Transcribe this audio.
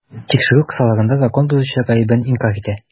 Тикшерү кысаларында закон бозучы гаебен инкарь итә.